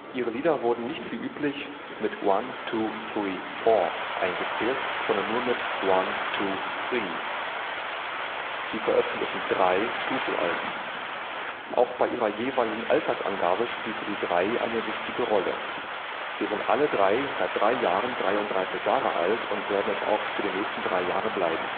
Ihre Lieder wurden nicht wie üblich mit „ one, two, three, four “eingezählt, sondern nur mit One, two, three. Sie veröffentlichten drei Studio-Alben. Auch bei ihrer jeweiligen Altersangabe spielte die Drei eine wichtige Rolle: „ Wir sind alle drei seit drei Jahren 33 Jahre alt und werden es auch für die nächsten drei Jahre bleiben